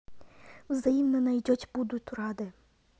взаимно найдеть будут рады